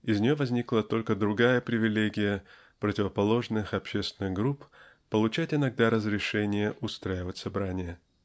из нее возникла только другая привилегия противоположных общественных групп получать иногда разрешение устраивать собрания.